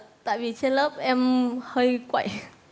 tại vì trên lớp em hơi quậy